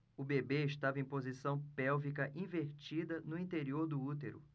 o bebê estava em posição pélvica invertida no interior do útero